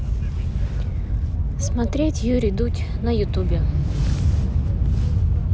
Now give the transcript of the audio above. смотреть юрий дудь на ютубе